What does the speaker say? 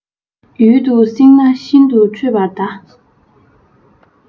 ཡུན དུ བསྲིངས ན ཤིན ཏུ འཕྲོད པར གདའ